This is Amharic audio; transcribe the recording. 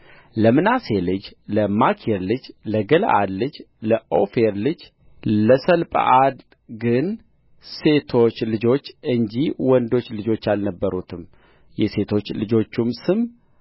ለምናሴ ልጅ ለማኪር ልጅ ለገለዓድ ልጅ ለኦፌር ልጅ ለሰለጰዓድ ግን ሴቶች ልጆች እንጂ ወንዶች ልጆች አልነበሩትም የሴቶች ልጆቹም ስም